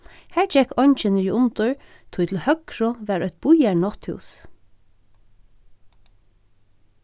har gekk eingin niðriundir tí til høgru var eitt býarnátthús